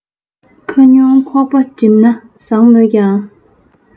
ཁ ཉུང ཁོག པ གྲིམ ན བཟང མོད ཀྱང